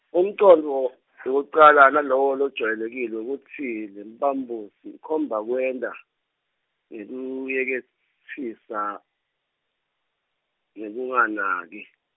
umcondvo, wekucala nalowo lojwayelekile wekutsi, lemphambosi ikhomba kwenta, ngekuyeketsisa, nekunganaki.